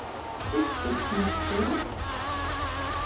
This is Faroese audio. biskupsmerkur